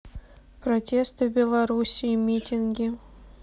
протесты в белоруссии митинги